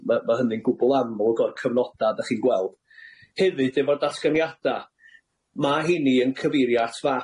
Ma' ma' hynny'n gwbwl amlwg o'r cyfnoda dach chi'n gweld. Hefyd efo'r datganiada, ma' 'heini yn cyfeirio at fap.